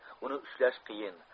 uni ushlash qiyin